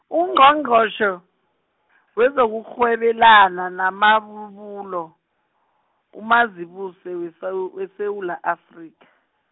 Ungqongqotjhe, wezokurhwebelana namabubulo, uMazibuse weSewu- weSewula Afrika.